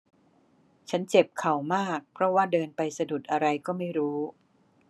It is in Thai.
ฉันเจ็บเข่ามากเพราะว่าเดินไปสะดุดอะไรก็ไม่รู้